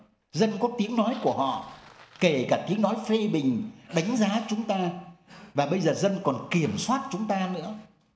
dân góp tiếng nói của họ kể cả tiếng nói phê bình đánh giá chúng ta và bây giờ dân còn kiểm soát chúng ta nữa